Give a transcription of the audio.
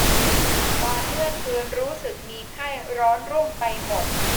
ตอนเมื่อคืนรู้สึกมีไข้ร้อนรุ่มไปหมด